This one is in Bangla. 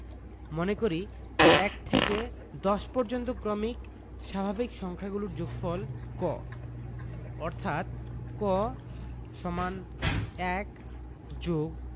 মনে করি ১ থেকে ১০ পর্যন্ত ক্রমিক স্বাভাবিক সংখ্যাগুলোর যোগফল ক অর্থাৎ ক = ১+